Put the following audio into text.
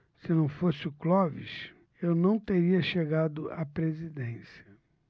se não fosse o clóvis eu não teria chegado à presidência